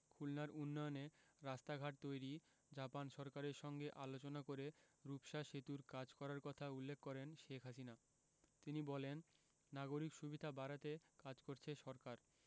খুলনার উন্নয়নে রাস্তাঘাট তৈরি জাপান সরকারের সঙ্গে আলোচনা করে রূপসা সেতুর কাজ করার কথা উল্লেখ করেন শেখ হাসিনা তিনি বলেন নাগরিক সুবিধা বাড়াতে কাজ করছে সরকার